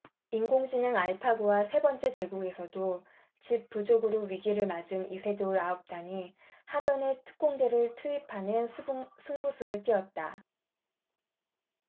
인공지능 알파고와 세 번째 대국에서도 집 부족으로 위기를 맞은 이세돌 아홉 단이 하변에 특공대를 투입하는 승부수를 띄웠다